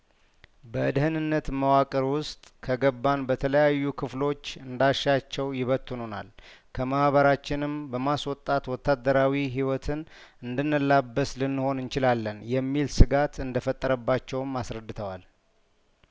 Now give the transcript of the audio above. በደህንነት መዋቅር ውስጥ ከገባን በተለያዩ ክፍሎች እንዳ ሻቸው ይበትኑናል ከማህበራችንም በማስወጣት ወታደራዊ ህይወትን እንድንላበስ ልንሆን እንችላለን የሚል ስጋት እንደፈጠረባቸውም አስረድተዋል